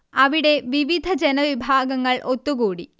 അവിടെ വിവിധ ജനവിഭാഗങ്ങൾ ഒത്തുകൂടി